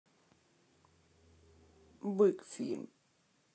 бык фильм